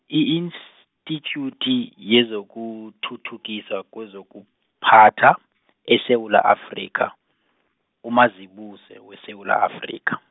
i-institjuti yezokuthuthukiswa, kwezokuphatha, eSewula Afrika, uMazibuse weSewula Afrika.